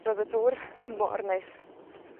Roedd y dŵr mor neis.